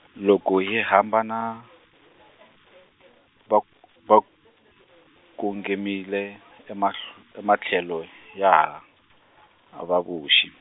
loko hi hambana , va k- va k- kongomile emahlw- ematlhelo ya hala vaBuxi.